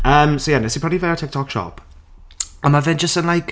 Yym, so ie, wnes i prynu fe o TikTok shop a ma' fe jyst yn like...